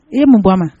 I ye mun bɔ a ma